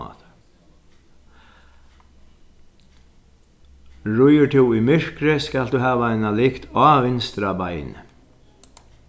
ríður tú í myrkri skalt tú hava eina lykt á vinstra beini